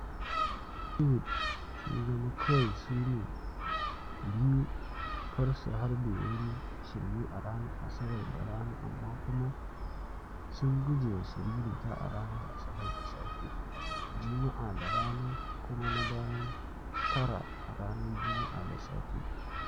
“Moliwood” sun zama kawai su ne biyu kar su harbe wani shirme a ranar Asabar da rana amma kuma sun guje wa shiririta a ranar Asabar da safe, Juma’a da rana kuma na bayan tara a ranar Juma’a da safe.